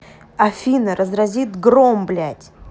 афина разразит гром блядь